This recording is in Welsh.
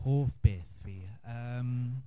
Hoff beth fi? Yym...